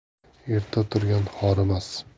erta turgan horimas